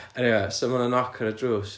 Eniwê so ma' 'na knock ar y drws